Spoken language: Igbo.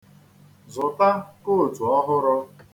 Zụta kootu ọhụrụ.